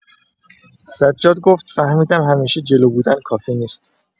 سجاد گفت فهمیدم همیشه جلو بودن کافی نیست.